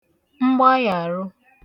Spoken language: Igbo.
mgbayarụ